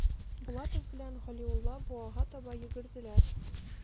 Булатов белән Галиулла буага таба йөгерделәр.